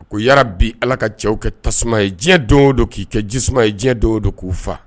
U' bi ala ka cɛw kɛ tasuma ye diɲɛ don don k'i kɛ ji tasumauman ye diɲɛ don don k'u faa